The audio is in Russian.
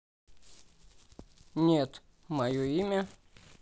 нет мое имя